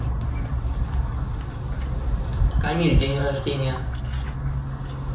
камиль день рождения